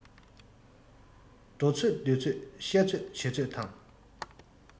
འགྲོ ཚོད སྡོད ཚོད བཤད ཚོད བྱེད ཚོད དང